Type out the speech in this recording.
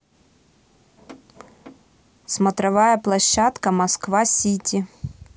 смотровая площадка москва сити